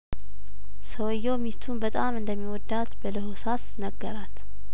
ሰውዬው ሚስቱን በጣም እንደሚወዳት በለሆሳ ስነገራት